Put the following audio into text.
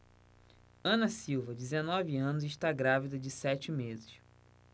ana silva dezenove anos está grávida de sete meses